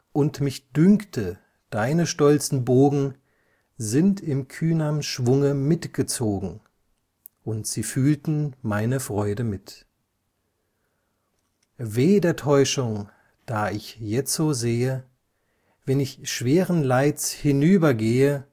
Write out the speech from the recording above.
Und mich dünkte, deine stolzen Bogen Sind in kühnerm Schwunge mitgezogen, Und sie fühlten meine Freude mit. Weh der Täuschung, da ich jetzo sehe, Wenn ich schweren Leids hinübergehe